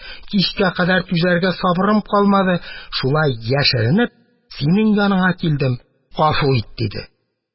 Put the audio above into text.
Кичкә кадәр түзәргә сабырым калмады, шулай яшеренеп, синең яныңа килдем, гафу ит! – диде.